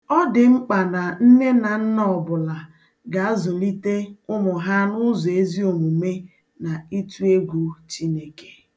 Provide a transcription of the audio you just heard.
Ọ dị mkpa na nnenanna ọbụla ga-azụlite ụmụ ha n’ụzọ ezi omume na ịtụ egwu Chineke.